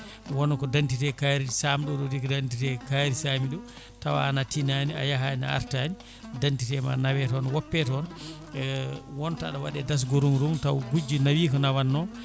wona ko d' identité kaari samno ɗo de ko d' identité kaari saami ɗo tawa an a tiinani a yaahani a artani d' identité ma naawe toon woppe toon wonta aɗa waɗe dasgo ruwrunta taw gujjo naawi ko nawanno